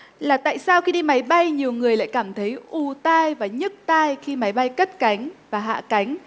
là tại sao khi đi máy bay nhiều người lại cảm thấy ù tai và nhức tai khi máy bay cất cánh và hạ cánh